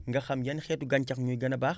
nga xam yan xeetu gàncax ñooy gën a baax